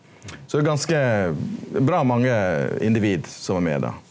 so det er ganske bra mange individ som er med då.